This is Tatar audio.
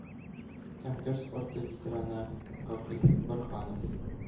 Һәм гер спорты ветераны гакыйф борһанов,